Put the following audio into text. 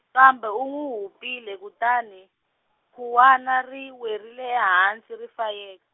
kambe u n'wi hupile kutani, khuwani ri werile ehansi ri fayek-.